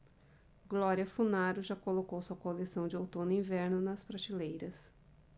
glória funaro já colocou sua coleção de outono-inverno nas prateleiras